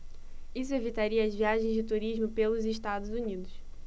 isso evitaria as viagens de turismo pelos estados unidos